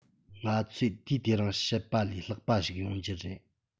ང ཚོས དུས དེ རིང བཤད པ ལས ལྷག པ ཞིག ཡོང རྒྱུ རེད